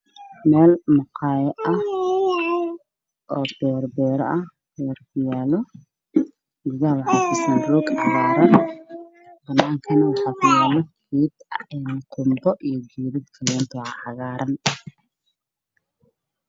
Meel maqaayad oo beero beero ah guryah wax ku fidsan roog cagaaran